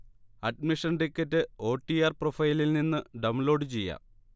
Admission ticket O. T. R പ്രൊഫൈലിൽനിന്ന് download ചെയ്യാം